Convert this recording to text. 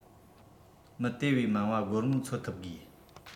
མི དེ བས མང བ སྒོར མོ འཚོལ ཐུབ དགོས